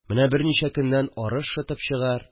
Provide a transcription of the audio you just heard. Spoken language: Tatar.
Менә берничә көннән арыш шытып чыгар